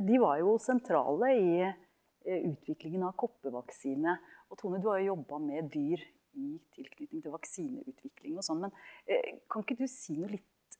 de var jo sentrale i utviklingen av koppevaksine, og Tone du har jobba med dyr i tilknytning til vaksineutvikling og sånn men kan ikke du si noe litt